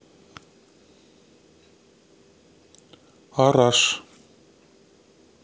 arash